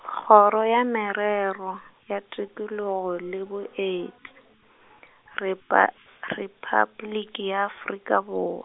Kgoro ya Merero, ya Tikologo le Boeti , repa-, Repabliki ya Afrika Bor-.